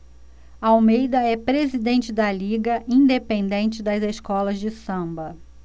almeida é presidente da liga independente das escolas de samba